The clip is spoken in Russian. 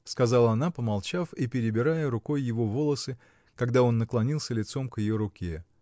— сказала она, помолчав и перебирая рукой его волосы, когда он наклонился лицом к ее руке.